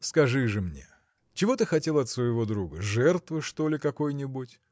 – Скажи же мне, чего ты хотел от своего друга? жертвы, что ли, какой-нибудь